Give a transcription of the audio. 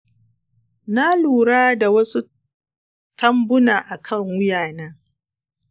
na lura da wasu tambuna akan wuyana.